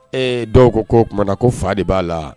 Ee dɔw ko ko o t tumaumana na ko fa de b'a la